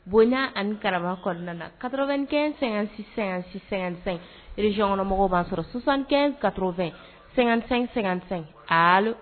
Bonya ani kararaba kɔnɔna naro2-ɛn---sɛsɛ yɔnkɔnɔmɔgɔwmɔgɔ b'a sɔrɔ sisansan kato2-- sɛgɛnsɛn ali